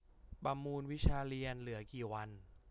ประมูลวิชาเรียนเหลือกี่วัน